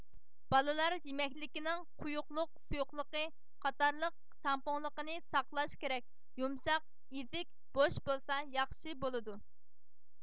بالىلار يېمەكلىكنىڭ قويۇقلۇق سۇيۇقلۇقى قاتارلىق تەڭپۇڭلۇقىنى ساقلاش كېرەك يۇمشاق ئىزىك بوش بولسا ياخشى بولىدۇ